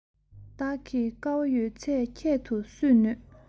བདག གིས དཀའ བ ཡོད ཚད ཁྱད དུ གསོད ནུས